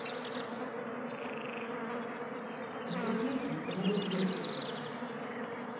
эта песня я люблю тебя